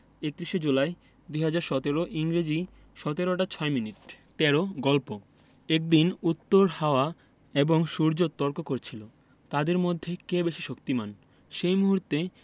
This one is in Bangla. ৩১ জুলাই ২০১৭ ইংরেজি ১৭ টা ৬ মিনিট ১৩ গল্প একদিন উত্তর হাওয়া এবং সূর্য তর্ক করছিল তাদের মধ্যে কে বেশি শক্তিমান সেই মুহূর্তে